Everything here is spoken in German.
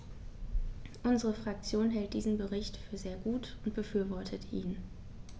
Unsere Fraktion hält diesen Bericht für sehr gut und befürwortet ihn.